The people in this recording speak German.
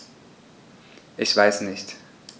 Ich weiß nicht.